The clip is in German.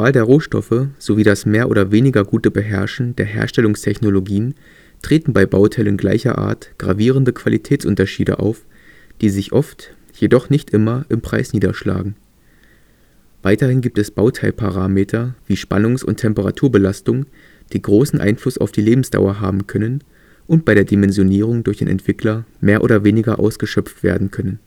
der Rohstoffe sowie das mehr oder weniger gute Beherrschen der Herstellungstechnologien treten bei Bauteilen gleicher Art gravierende Qualitätsunterschiede auf, die sich oft, jedoch nicht immer, im Preis niederschlagen. Weiterhin gibt es Bauteilparameter wie Spannungs - und Temperaturbelastung, die großen Einfluss auf die Lebensdauer haben können und bei der Dimensionierung durch den Entwickler mehr oder weniger ausgeschöpft werden können